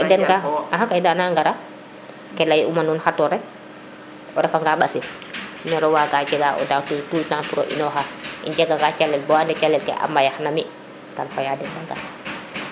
den ka axakay ana ngara ke ley uma nuun xatoor rek o refa nga ɓasil nero waga jega o ndaaw tout le :fre temps pour o unooxa im jega nga calel bo ande calel ke a maya na mi kan xoya den de ngar